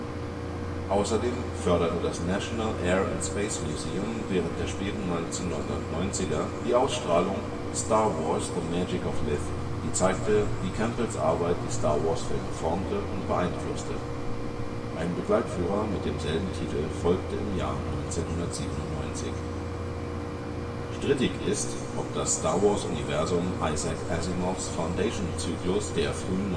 Außerdem förderte das National Air and Space Museum während der späten 1990er die Ausstellung Star Wars: The Magic of Myth, die zeigte, wie Campbells Arbeit die Star-Wars-Filme formte und beeinflusste. Ein Begleitführer mit demselben Titel folgte im Jahr 1997. Strittig ist, ob das Star-Wars-Universum Isaac Asimovs Foundation-Zyklus der frühen